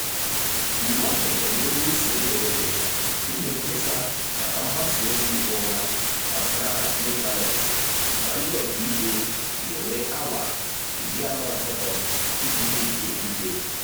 Iwu ahụ ga-enye ndị nsonye ohere ime mkpesa maka mgbasa ozi ụgha gbasara ha n'ịntaneetị ma ndị ọkàikpe ga-enwe awa 48 iji kpebie ikpe.